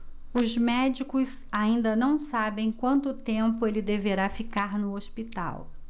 os médicos ainda não sabem quanto tempo ele deverá ficar no hospital